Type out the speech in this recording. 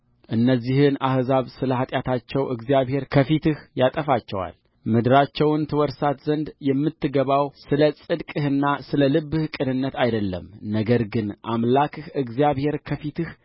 እነዚህን አሕዛብ ስለ ኃጢአታቸው እግዚአብሔር ከፊትህ ያወጣቸዋልምድራቸውን ትወርሳት ዘንድ የምትገባው ስለ ጽድቅህና ስለ ልብህ ቅንነት አይደለም ነገር ግን አምላክህ እግዚአብሔር ከፊትህ